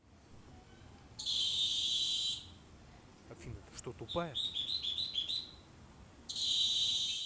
афина ты что тупая